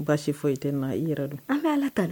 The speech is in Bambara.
N basi fo i tɛ nin na i yɛrɛ don an bɛ ala ta la